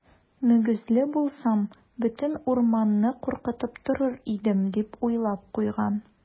Мөгезле булсам, бөтен урманны куркытып торыр идем, - дип уйлап куйган.